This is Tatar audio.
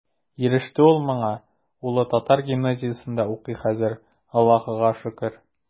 Иреште ул моңа, улы татар гимназиясендә укый хәзер, Аллаһыга шөкер.